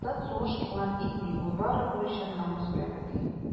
Солдат сугыш игълан итми, ул бары бурычын намус белән үти.